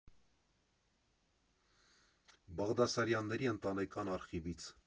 Բաղդասարյանների ընտանեկան արխիվից։